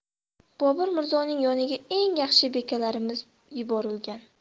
bobur mirzoning yoniga eng yaxshi beklarimiz yuborilgan